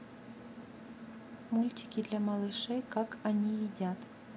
мультики для малышей как они едят